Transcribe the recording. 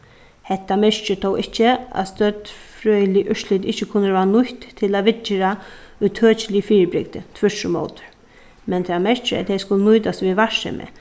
hetta merkir tó ikki at støddfrøðilig úrslit ikki kunnu verða nýtt til at viðgera ítøkilig fyribrigdi tvørturímóti men tað merkir at tey skulu nýtast við varsemi